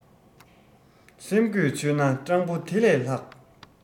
སེམས གོས ཆོད ན སྤྲང པོ དེ ལས ལྷག